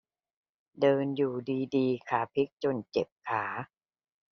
เดินอยู่ดีดีขาพลิกจนเจ็บขา